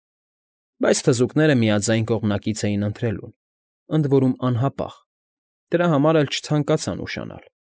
Բայց թզուկները միաձայն կողմանկից էին ընթրելուն, ընդ որում անհապաղ, դրա համար էլ չցանկացան ուշանալ։